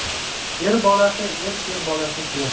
er bolasi er sher bolasi sher